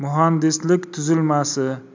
muhandislik tuzilmasi